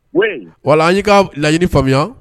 Wala an y' ka layiɲini faamuya